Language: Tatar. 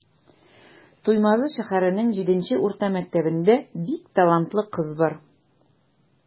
Туймазы шәһәренең 7 нче урта мәктәбендә бик талантлы кыз бар.